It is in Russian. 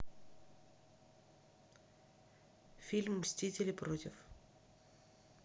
фильм мстители против